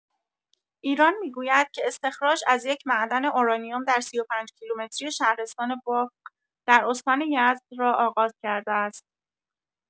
ایران می‌گوید که استخراج از یک معدن اورانیوم در ۳۵ کیلومتری شهرستان بافق در استان یزد را آغاز کرده است.